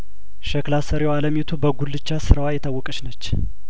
ሸክላ ሰሪዋ አለሚቱ በጉልቻ ስራዋ የታወቀችነች